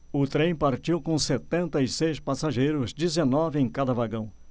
o trem partiu com setenta e seis passageiros dezenove em cada vagão